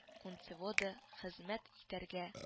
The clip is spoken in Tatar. Кунцевода хезмәт итәргә